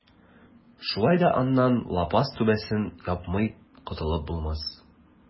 Шулай да аннан лапас түбәсен япмый котылып булмас.